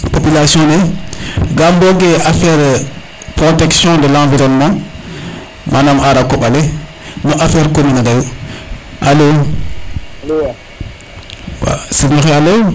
population ne ga mboge affaire protection de l' environnement manam ara koɓale no affaire commune a deyu alo serigne noxe Alo